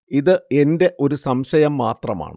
ഇത് എന്റെ ഒരു സംശയം മാത്രമാണ്